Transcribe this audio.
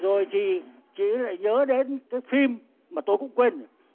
rồi chị chỉ nhớ đến cái phim mà tôi cũng quên rồi